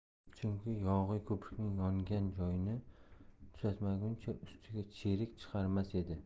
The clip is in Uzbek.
chunki yog'iy ko'prikning yongan joyini tuzatmaguncha ustiga cherik chiqarmas edi